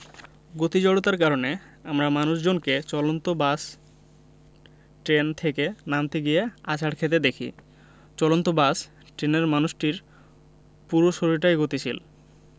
গতি জড়তার কারণে আমরা মানুষজনকে চলন্ত বাস ট্রেন থেকে নামতে গিয়ে আছাড় খেতে দেখি চলন্ত বাস ট্রেনের মানুষটির পুরো শরীরটাই গতিশীল